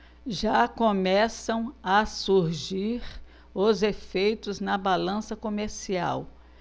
já começam a surgir os efeitos na balança comercial